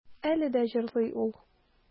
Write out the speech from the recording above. Әле дә җырлый ул.